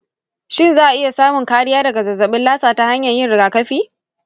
shin za a iya samun kariya daga zazzabin lassa ta hanyar yin rigakafi?